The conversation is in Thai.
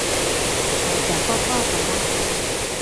น่าจะพอพอกันวะ